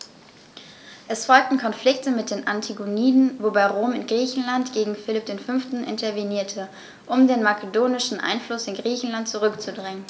Es folgten Konflikte mit den Antigoniden, wobei Rom in Griechenland gegen Philipp V. intervenierte, um den makedonischen Einfluss in Griechenland zurückzudrängen.